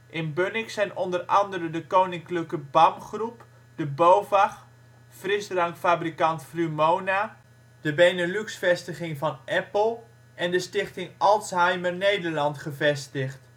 In Bunnik zijn onder andere de Koninklijke BAM Groep, de BOVAG, frisdrankfabrikant Vrumona en de Benelux-vestiging van Apple Inc. en de stichting Alzheimer Nederland gevestigd